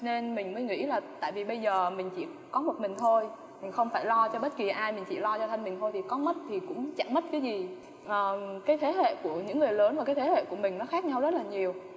nên mình mới nghĩ là tại vì bây giờ mình chỉ có một mình thôi mình không phải lo cho bất kỳ ai mình chỉ lo cho thân mình thôi thì có mất thì cũng chẳng mất cái gì ờ cái thế hệ của những người lớn và cái thế hệ của mình nó khác nhau rất là nhiều